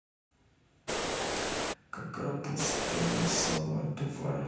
какая пустыня самая тупая